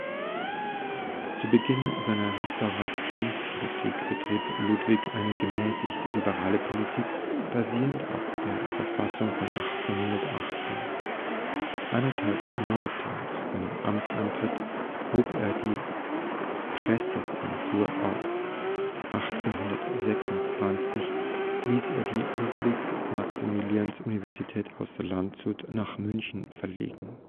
Zu Beginn seiner Restaurationspolitik betrieb Ludwig eine gemäßigt liberale Politik, basierend auf der Verfassung von 1818. Eineinhalb Monate nach seinem Amtsantritt hob er die Pressezensur auf. 1826 ließ er die Ludwig-Maximilians-Universität aus Landshut nach München verlegen